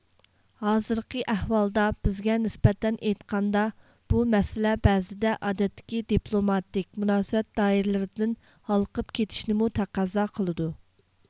ھازىرقى ئەھۋالدا بىزگە نىسبەتەن ئېيتقاندا بۇ مەسىلە بەزىدە ئادەتتىكى دېپلوماتىك مۇناسىۋەت دائىرىلىرىدىن ھالقىپ كېتىشنىمۇ تەقەززا قىلىدۇ